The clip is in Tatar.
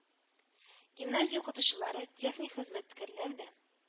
Гимназия укытучылары, техник хезмәткәрләр дә